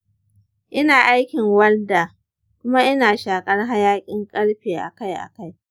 ina aikin walda kuma ina shakar hayakin ƙarfe akai-akai.